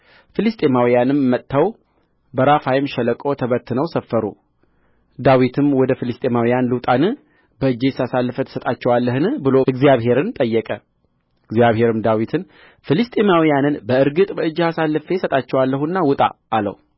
ፍልስጥኤማውያንም መጥተው በራፋይም ሸለቆ ተበትነው ሰፈሩ ዳዊትም ወደ ፍልስጥኤማውያን ልውጣን በእጄስ አሳልፈህ ትሰጣቸዋለህን ብሎ እግዚአብሔርን ጠየቀ እግዚአብሔርም ዳዊትን ፍልስጥኤማውያንን በእርግጥ በእጅህ አሳልፌ እሰጣቸዋለሁና ውጣ አለው